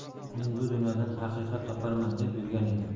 men bu dunyodan haqiqat toparman deb yurgan edim